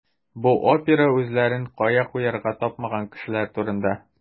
Бу опера үзләрен кая куярга тапмаган кешеләр турында.